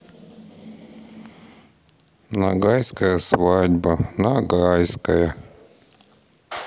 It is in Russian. ногайская свадьба ногайская